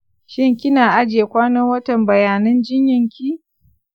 shin kina ajiye kwanan watan bayanan jinyanki?